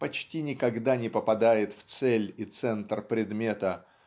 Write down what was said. почти никогда не попадает в цель и центр предмета